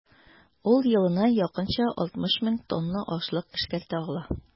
Ул елына якынча 60 мең тонна ашлык эшкәртә ала.